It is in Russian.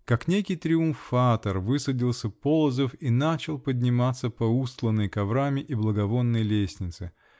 Как некий триумфатор высадился Полозов и начал подниматься по устланной коврами и благовонной лестнице.